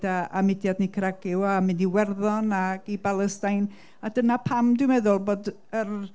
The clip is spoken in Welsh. a mudiad Nicaragua a mynd i Iwerddon ac i Balestine, a dyna pam dwi'n meddwl bod yr yym